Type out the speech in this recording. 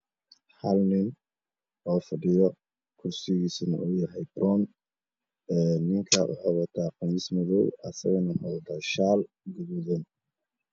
Hal nin oo fadhiyo kursigiisana uu yahay baroon ninka wuxuu wataa qamiis madow isagana wuxu wataa shaal guduudan